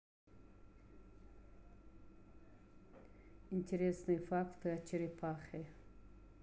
интересные факты о черепахе